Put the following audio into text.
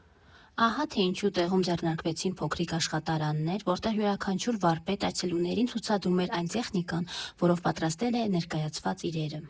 Ահա թե ինչու տեղում ձեռնարկվեցին փոքրիկ աշխատարաններ, որտեղ յուրաքանչյուր վարպետ այցելուներին ցուցադրում էր այն տեխնիկան, որով պատրաստել է ներկայացված իրերը։